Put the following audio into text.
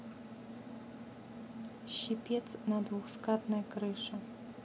щипец на двухскатной крыше